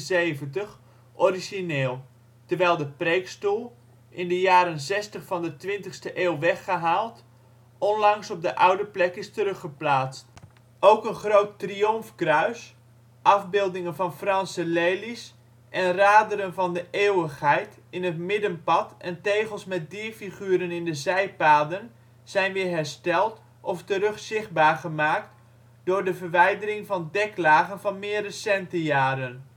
1873) origineel, terwijl de preekstoel, in de jaren zestig van de 20e eeuw weggehaald, onlangs op de oude plek is teruggeplaatst. Ook een groot Triomphkruis, afbeeldingen van franse lelies en ' raderen van de eeuwigheid ' in het middenpad en tegels met dierfiguren in de zijpaden zijn weer hersteld of terug zichtbaar gemaakt door de verwijdering van deklagen van meer recente jaren